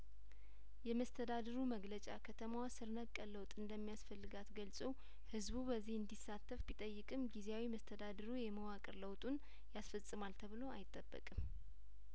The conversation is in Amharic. የመስተዳድሩ መግለጫ ከተማዋ ስርነቀል ለውጥ እንደሚያስፈልጋት ገልጾ ህዝቡ በዚህ እንዲ ሳተፍ ቢጠይቅም ጊዜያዊ መስተዳድሩ የመዋቅር ለውጡን ያስፈጽማል ተብሎ አይጠበቅም